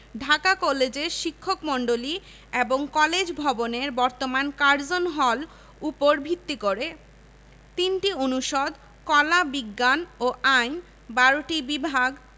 ঢাকা কলেজের শিক্ষকমন্ডলী এবং কলেজ ভবনের বর্তমান কার্জন হল উপর ভিত্তি করে ৩টি অনুষদ কলা বিজ্ঞান ও আইন ১২টি বিভাগ